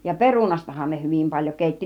ja perunastahan ne hyvin paljon keitti